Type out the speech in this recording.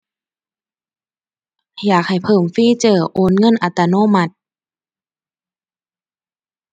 อยากให้เพิ่มฟีเจอร์โอนเงินอัตโนมัติ